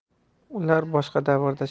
ular boshqa davrda